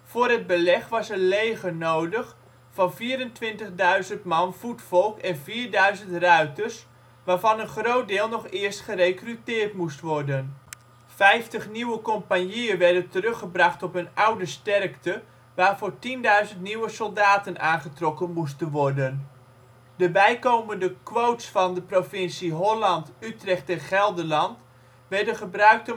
Voor het beleg was een leger nodig van 24.000 man voetvolk en 4.000 ruiters, waarvan een groot deel nog eerst gerecruteerd moest worden. Vijftig nieuwe compagnieën werden teruggebracht op hun oude sterkte waarvoor 10.000 nieuwe soldaten aangetrokken moesten worden. De bijkomende quotes van de provincies Holland, Utrecht en Gelderland werden gebruikt